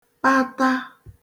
pata